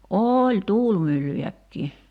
oli tuulimyllyjäkin